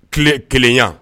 Kile kelenya